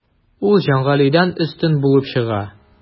Ул Җангалидән өстен булып чыга.